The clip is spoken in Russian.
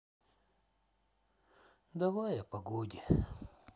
давай о погоде